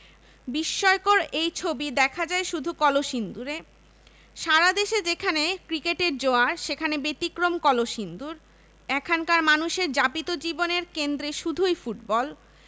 বিস্ময়কর এই ছবি দেখা যায় শুধু কলসিন্দুরে সারা দেশে যেখানে ক্রিকেটের জোয়ার সেখানে ব্যতিক্রম কলসিন্দুর এখানকার মানুষের যাপিত জীবনের কেন্দ্রে শুধুই ফুটবল